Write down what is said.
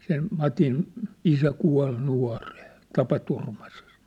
sen Matin isä kuoli nuorena tapaturmaisesti